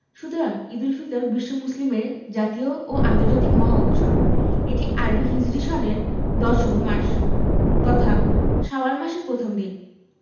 সুতরাং ঈদুল ফিতর বিশ্ব মুসলিমের জাতীয় ও আন্তর্জাতিক মহা উৎসব এটি আরবি হিজরি সনের দশম মাস তথা শাওয়াল মাসের প্রথম দিন